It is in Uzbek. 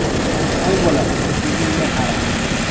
hoy bola ko'zingga qara